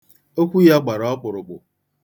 Okwu ya gbara ọkpụrụkpụ.